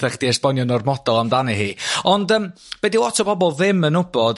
'tha chdi esbonio'n ormodol amdani hi ond ymm be 'di lot o bobol ddim yn w'bod